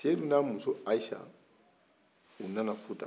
sedu n'a muso aise u nana futa